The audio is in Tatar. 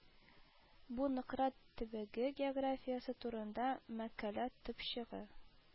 Бу Нократ төбәге географиясе турында мәкалә төпчеге